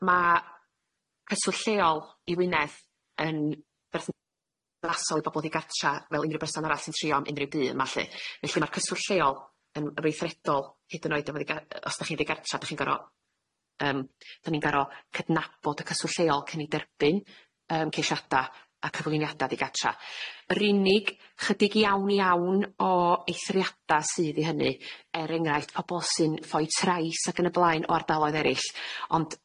cyswll lleol i Wynedd yn berthnasol i bobol ddigartra fel unryw berson arall sy'n trio am unryw byd yma lly felly ma'r cyswll lleol yn wreithredol hyd yn oed efo di-gar- os dach chi'n ddi-gartra dach chi'n gor'o' yym 'dyn ni'n gor'o' cydnabod y cyswll lleol cyn 'i derbyn yym ceishiada a cyflwyniada digartra yr unig chydig iawn iawn o eithriada sydd i hynny er enghraifft pobol sy'n ffoi trais ag yn y blaen o ardaloedd eryll ond